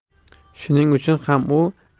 shuning uchun u